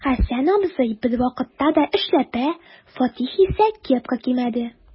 Хәсән абзый бервакытта да эшләпә, Фатих исә кепка кимәде.